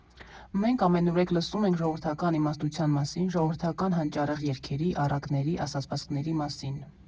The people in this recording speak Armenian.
Մենք ամենուրեք լսում ենք ժողովրդական իմաստության մասին, ժողովրդական հանճարեղ երգերի, առակների, ասացվածքների մասին։